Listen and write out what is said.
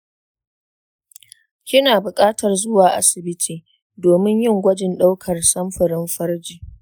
kina buƙatar zuwa asibiti domin yin gwajin ɗaukar samfurin farji.